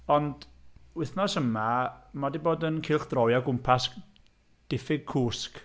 Ond wythnos yma ma' 'di bod yn cylchdroi o gwmpas diffyg cwsg.